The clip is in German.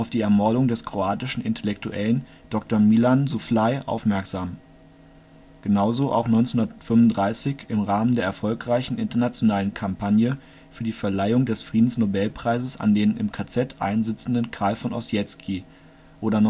die Ermordung des kroatischen Intellektuellen Dr. Milan Šufflay aufmerksam. Genauso auch 1935 im Rahmen der (erfolgreichen) internationalen Kampagne für die Verleihung des Friedensnobelpreises an den im KZ einsitzenden Carl von Ossietzky oder